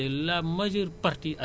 ba mu tax pouvoir yi